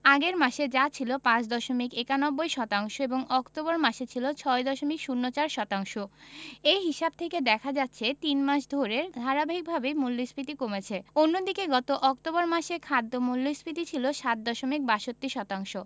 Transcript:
আগের মাসে যা ছিল ৫ দশমিক ৯১ শতাংশ এবং অক্টোবর মাসে ছিল ৬ দশমিক ০৪ শতাংশ এ হিসাব থেকে দেখা যাচ্ছে তিন মাস ধরে ধারাবাহিকভাবেই মূল্যস্ফীতি কমেছে অন্যদিকে গত অক্টোবর মাসে খাদ্য মূল্যস্ফীতি ছিল ৭ দশমিক ৬২ শতাংশ